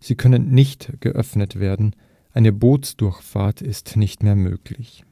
Sie können nicht geöffnet werden, eine Bootsdurchfahrt ist nicht mehr möglich